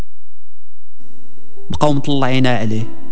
مقاومه الله يعينا عليه